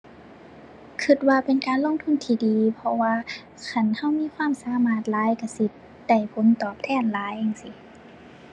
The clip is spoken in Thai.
คิดว่าเป็นการลงทุนที่ดี เพราะว่าคันคิดมีความสามารถหลายคิดสิได้ผลตอบแทนหลายจั่งซี้